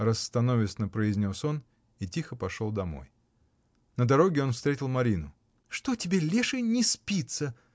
— расстановисто произнес он и тихо пошел домой. На дороге он встретил Марину. — Что тебе, леший, не спится?